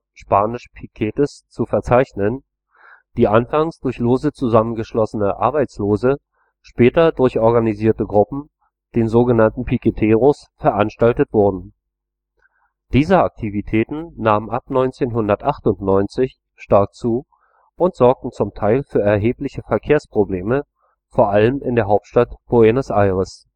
span. piquetes) zu verzeichnen, die anfangs durch lose zusammengeschlossene Arbeitslose, später durch organisierte Gruppen, den sogenannten piqueteros, veranstaltet wurden. Diese Aktivitäten nahmen ab 1998 stark zu und sorgten zum Teil für erhebliche Verkehrsprobleme vor allem in der Hauptstadt Buenos Aires